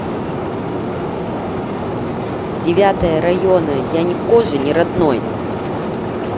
девятая района я не в коже не родной